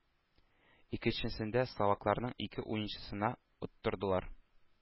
Икенчесендә словакларның ике уенчысына оттырдылар.